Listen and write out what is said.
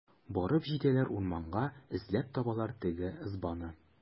Барып җитәләр урманга, эзләп табалар теге ызбаны.